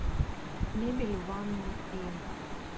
мебель в ванную и